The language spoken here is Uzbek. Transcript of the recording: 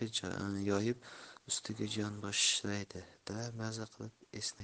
yoyib ustiga yonboshlaydi da maza qilib esnaydi